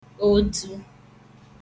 odtu